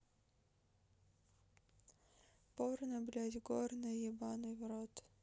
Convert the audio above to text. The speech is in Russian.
порно блядь горно ебаный в рот